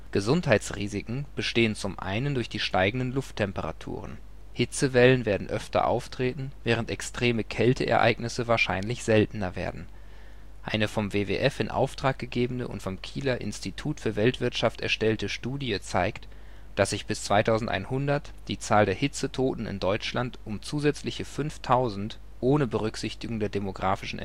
Gesundheitsrisiken bestehen zum einen durch die steigenden Lufttemperaturen. Hitzewellen werden öfter auftreten, während extreme Kälteereignisse wahrscheinlich seltener werden. Eine vom WWF in Auftrag gegebene und vom Kieler Institut für Weltwirtschaft erstellte Studie zeigt, dass sich bis 2100 die Zahl der Hitzetoten in Deutschland um zusätzliche 5.000 ohne Berücksichtigung der demographischen